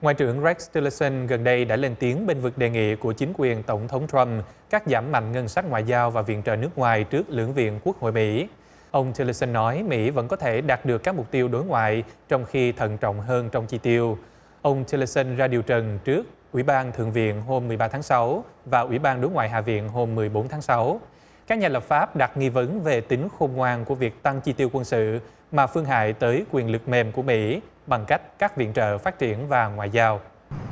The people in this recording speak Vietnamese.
ngoại trưởng rếch ti lơ sân gần đây đã lên tiếng bênh vực đề nghị của chính quyền tổng thống trăm cắt giảm mạnh ngân sách ngoại giao và viện trợ nước ngoài trước lưỡng viện quốc hội mỹ ông ti lơ sân nói mỹ vẫn có thể đạt được các mục tiêu đối ngoại trong khi thận trọng hơn trong chi tiêu ông ti lơ sân ra điều trần trước ủy ban thượng viện hôm mười ba tháng sáu và ủy ban đối ngoại hạ viện hôm mười bốn tháng sáu các nhà lập pháp đặt nghi vấn về tính khôn ngoan của việc tăng chi tiêu quân sự mà phương hại tới quyền lực mềm của mỹ bằng cách cắt viện trợ phát triển và ngoại giao